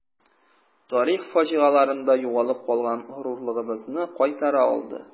Тарих фаҗигаларында югалып калган горурлыгыбызны кайтара алды.